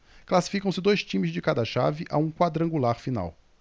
classificam-se dois times de cada chave a um quadrangular final